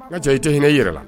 N ka cɛ i tɛ hinɛ i yɛrɛ la